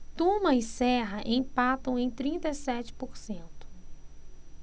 tuma e serra empatam em trinta e sete por cento